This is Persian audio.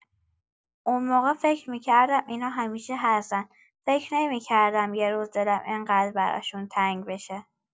اون موقع فکر می‌کردم اینا همیشه هستن، فکر نمی‌کردم یه روز دلم این‌قدر براشون تنگ بشه.